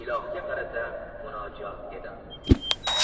ilohga qarata munojot edi